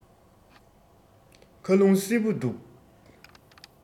ཁ རླུང བསིལ པོ འདུག